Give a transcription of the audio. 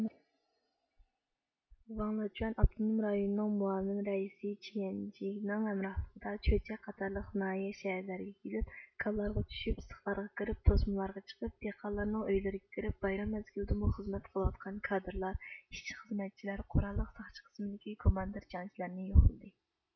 ۋاڭلېچۇەن ئاپتونوم رايوننىڭ مۇئاۋىن رەئىسى چيەنجىنىڭ ھەمراھلىقىدا چۆچەك قاتارلىق ناھىيە شەھەرلەرگە كېلىپ كانلارغا چۈشۈپ سىخلارغا كىرىپ توسمىلارغا چىقىپ دېھقانلارنىڭ ئۆيلىرىگە كىرىپ بايرام مەزگىلىدىمۇ خىزمەت قىلىۋاتقان كادىرلار ئىشچى خىزمەتچىلەر قوراللىق ساقچى قىسىمدىكى كوماندىر جەڭچىلەرنى يوقلىدى